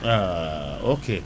waa ok